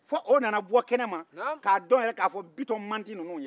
fɔ o nana bɔ kɛnɛma k'a dɔn yɛrɛ ko bitɔn mandi ninnu ye